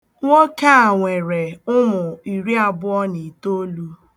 Nwoke a nwere ụmụ iri abụọ na itoolu.